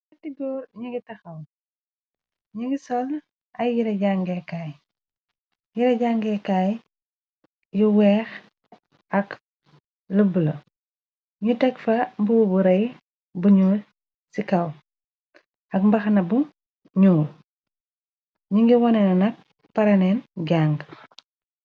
Bati góor ningi taxaw ningi sol ay yire jangeekaay jangeekaay yu weex ak lubbla ñu teg fa mbuo bu rey buñu ci kaw ak mbaxna bu ñuu ni ngi wone na nag paraneen jang.